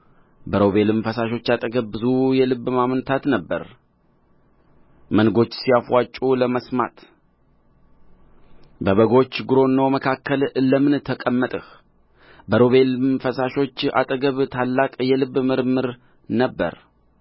በሮቤል ፈሳሾች አጠገብ ብዙ የልብ ማመንታት ነበረ መንጎች ሲያፍዋጩ ለመስማት በበጎች ጕረኖ መካከል ለምን ተቀመጥህ በሮቤል ፈሳሾች አጠገብ ታላቅ የልብ ምርምር ነበረ